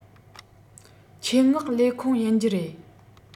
ཆེད མངགས ལས ཁུང ཡིན གྱི རེད